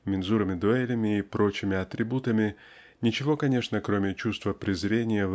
мензурами-дуэлями и прочими атрибутами ничего конечно кроме чувства презрения